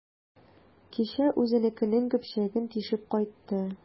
Кичә үзенекенең көпчәген тишеп кайтты.